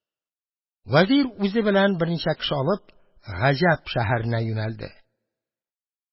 Вәзир, үзе белән берничә кеше алып, Гаҗәп шәһәренә юнәлде.